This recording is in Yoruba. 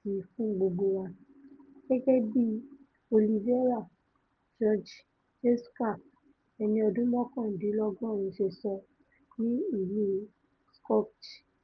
síi fún gbogbo wa,'' gẹ́gẹ́ bíi Olivera Georgijevska, ẹni ọdún mọ́kàndínlọ́gọ́rin ṣe sọ, ní ìlú Skopje.